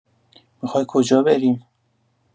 می‌خوای کجا بریم؟